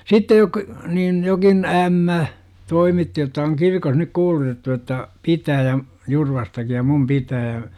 sitten - niin jokin ämmä toimitti jotta on kirkon nyt kuulutettu jotta pitää ja Jurvastakin ja minun pitää